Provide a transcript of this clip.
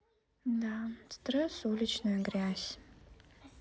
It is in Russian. да стресс уличная грязь